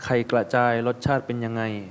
ไข่กระจายรสชาติเป็นยังไง